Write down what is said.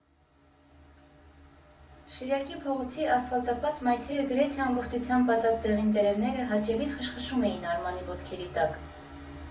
Շիրակի փողոցի ասֆալտապատ մայթեզրը գրեթե ամբողջությամբ պատած դեղին տերևները հաճելի խշխշում էին Արմանի ոտքերի տակ։